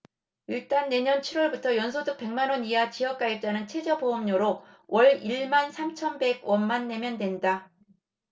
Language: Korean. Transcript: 일단 내년 칠 월부터 연소득 백 만원 이하 지역가입자는 최저보험료로 월 일 만 삼천 백 원만 내면 된다